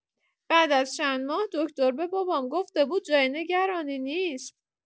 بعد از چند ماه دکتر به بابام گفته بود جای نگرانی نیست.